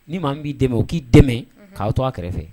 Ni ma n b'i dɛmɛ o k'i dɛmɛ k'aw to a kɛrɛfɛ